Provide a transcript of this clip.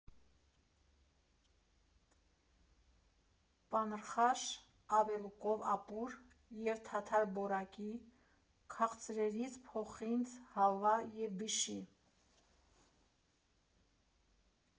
Պանրխաշ, ավելուկով ապուր և թաթար բորակի, քաղցրերից՝ փոխինձ, հալվա և բիշի։